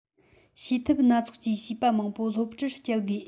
བྱེད ཐབས སྣ ཚོགས ཀྱིས བྱིས པ མང པོ སློབ གྲྭར བསྐྱལ དགོས